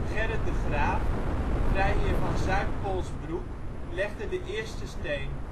Gerrit de Graeff, vrijheer van Zuid-Polsbroek, legde de eerste steen